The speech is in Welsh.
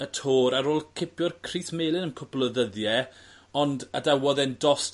y Tour ar ôl cipio'r crys melyn am cwpwl o ddyddie. Ond adawodd e'n dost